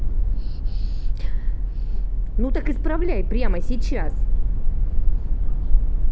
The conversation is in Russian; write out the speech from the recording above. ну так исправляй прямо сейчас